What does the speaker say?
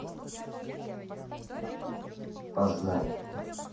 познай